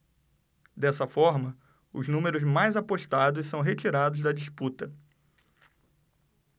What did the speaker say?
dessa forma os números mais apostados são retirados da disputa